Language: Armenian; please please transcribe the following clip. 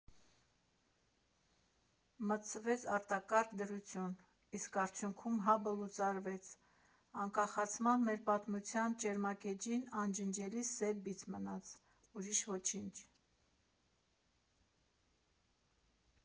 Մտցվեց արտակարգ դրություն, իսկ արդյունքում ՀԱԲ֊ը լուծարվեց, անկախացման մեր պատմության ճերմակ էջին անջնջելի սև բիծ մնաց, ուրիշ ոչինչ։